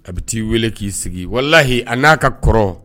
A bɛ t'i weele k'i sigi walahi a n'a ka kɔrɔ